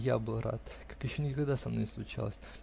И я был рад, как еще никогда со мной не случалось.